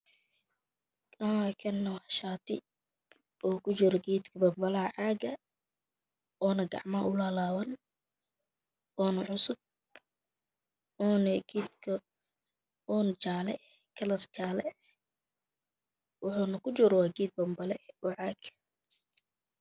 Kani waa shati oo ku jira geedka papalca caaga ah oona gacmaha ulalapan oona cusup oona jalee kalar jaale wxuuna ku jiraa geed pompele oo caga ah